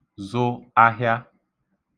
zụ ahịa